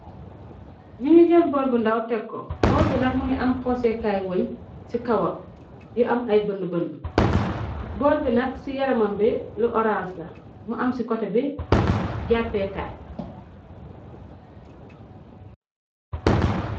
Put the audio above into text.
Nñu ngi jal bol bu ndaw tekko, bool bi nag minga am xoosekaay wëñ ci kawam? yu am ay bën bënn. Bol bi nak ci yaramam bi lu orance la, mu am ci kote bi jàppekaay.